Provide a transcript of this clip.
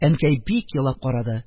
Әнкәй бик елап карады,